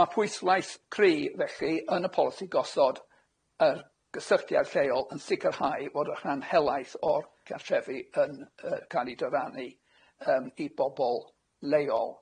Ma'r pwyslais cry' felly, yn y polisi gosod, yr gysylltiad lleol yn sicrhau fod y rhan helaeth o'r cartrefi yn yy ca'l ei dyrannu yym i bobol leol.